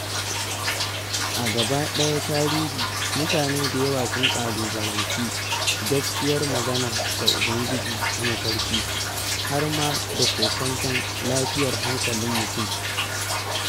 A gaba ɗayan tarihi, mutane da yawa sun ƙalubalanci gaskiyar magana da ubangiji ta mafarki, har ma da kokwanton lafiyar hankalin mutum.